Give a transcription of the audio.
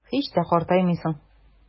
Һич тә картаймыйсың.